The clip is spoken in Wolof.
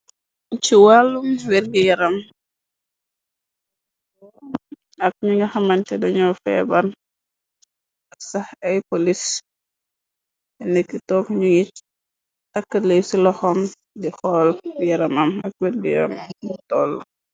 Ci wàllu werg yaram ak ñu nga xamante dañoo feeban ak sax ay polis te niki toog ñu gi takklëy ci loxom di xool bi yaram am ak werg-yaramam bu toll.